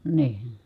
niin